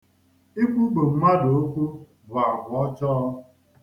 Ikwukpo mmadụ okwu bụ àgwà ọjọọ.